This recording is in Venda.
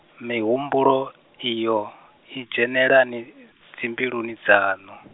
mihumbulo, iyo, i dzhenelani, dzimbiluni dzaṋu?